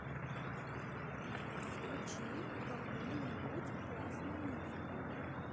включи какую нибудь классную музыку